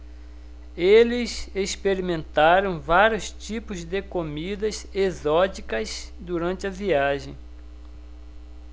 eles experimentaram vários tipos de comidas exóticas durante a viagem